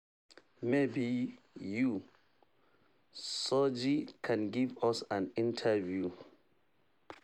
Maybe you, Sergey, can give us an interview?